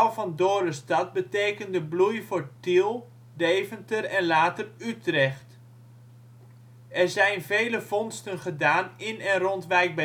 van Dorestad betekende bloei voor Tiel, Deventer en later Utrecht. Er zijn vele vondsten gedaan in en rond Wijk